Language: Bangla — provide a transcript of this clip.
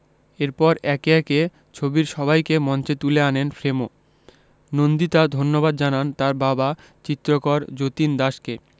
এরপর একে একে ছবির সবাইকে মঞ্চে তুলে আনেন ফ্রেমো নন্দিতা ধন্যবাদ জানান তার বাবা চিত্রকর যতীন দাসকে